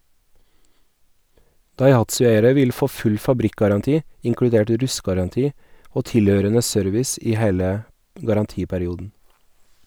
Daihatsu-eiere vil få full fabrikkgaranti, inkludert rustgaranti, og tilhørende service i hele garantiperioden.